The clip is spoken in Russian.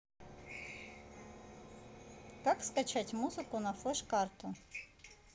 как скачать музыку на флеш карту